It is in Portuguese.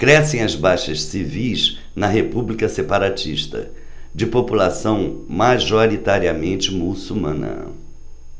crescem as baixas civis na república separatista de população majoritariamente muçulmana